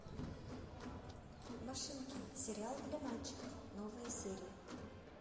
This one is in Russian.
машинки сериал для мальчиков новые серии